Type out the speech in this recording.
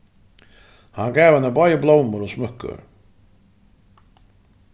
hann gav henni bæði blómur og smúkkur